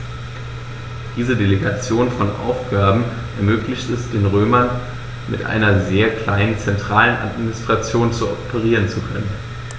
Diese Delegation von Aufgaben ermöglichte es den Römern, mit einer sehr kleinen zentralen Administration operieren zu können.